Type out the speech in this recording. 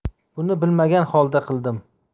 buni bilmagan holda qildim